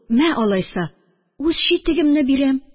Мә, алай булса, үз читегемне бирәм